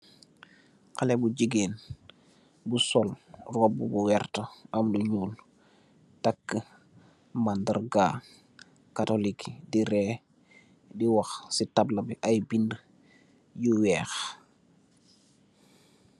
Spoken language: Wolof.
Xalèh bu gigeen bu sol rubu bu werta am lu ñuul takka mandarga katulik di rèèh di wax ci tapla la bi ay bindi yu wèèx.